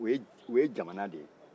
u ye o ye jamana de ye